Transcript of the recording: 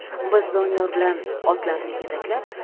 biz doniyor bilan otlarni yetaklab